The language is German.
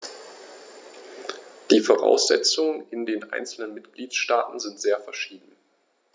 Die Voraussetzungen in den einzelnen Mitgliedstaaten sind sehr verschieden.